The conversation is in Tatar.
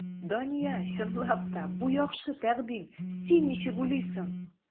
Дания, чынлап та, бу яхшы тәкъдим, син ничек уйлыйсың?